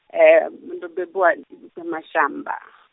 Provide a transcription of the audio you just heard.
ndo bebiwa, Mashamba.